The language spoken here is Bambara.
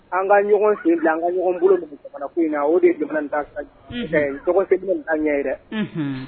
An ka ɲɔgɔn sen bila, an ka ɲɔgɔn bolo minɛ jamana ko in na, o de ye jamana in taga sira ɲuman ye, unhun, n'o tɛ tɔgɔ sɛbɛnba in t'a ɲɛ ye dɛ